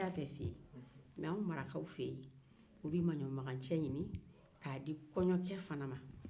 anw marakaw fɛ yen u bɛ manɲamagacɛ ɲini k'a di kɔɲɔcɛ fana ma